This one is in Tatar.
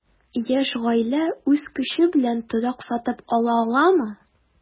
Яшь гаилә үз көче белән генә торак сатып ала аламы?